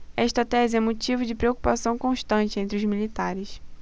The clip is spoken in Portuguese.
esta tese é motivo de preocupação constante entre os militares